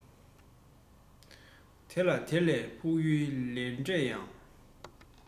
དེ འདྲས མི ལ སྐར མའི བདག པོ རྙེད